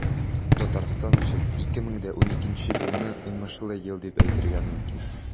Татарстан өчен 2012 елны уңышлы ел дип әйтергә мөмкин.